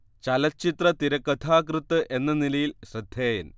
ചലച്ചിത്ര തിരക്കഥാകൃത്ത് എന്ന നിലയിൽ ശ്രദ്ധേയൻ